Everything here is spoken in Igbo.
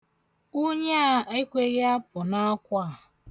Unyi a ekweghị apụ n'akwa a.